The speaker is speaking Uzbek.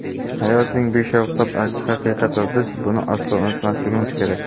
hayotning beshafqat achchiq haqiqati va biz buni aslo unutmasligimiz kerak